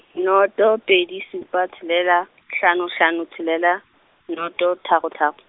noto pedi supa tshelela, hlano hlano tshelela, noto tharo tharo.